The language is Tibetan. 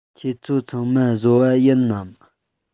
ཁྱོད ཚོ ཚང མ བཟོ པ ཡིན ནམ